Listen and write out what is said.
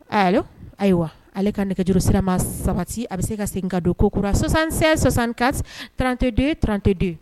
Alo . Ayiwa ale ka nɛgɛjurusira ma sabati a bi se ka segin ka don ko kura 76 64 32 32